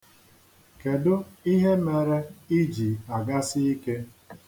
Kedụ ihe mere i ji agasi ike?